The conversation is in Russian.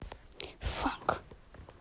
fuck